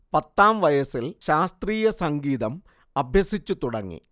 പത്താം വയസിൽ ശാസ്ത്രീയ സംഗീതം അഭ്യസിച്ചു തുടങ്ങി